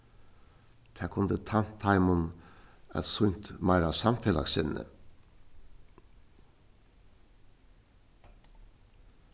tað kundi tænt teimum at sýnt meira samfelagssinni